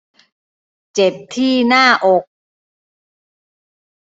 เจ็บที่หน้าอก